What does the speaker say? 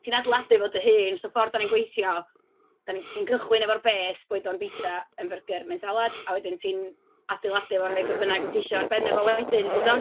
Ti'n adeiladu fo dy hun. So ffordd dan ni'n gweithio dan ni... ti'n cychwyn efo'r base boed o'n bitsa yn fyrgyr neu'n salad, a wedyn ti'n adeiladau fo a rhoi be bynnag wyt ti isio ar ben y fo wedyn 'lly, tibod.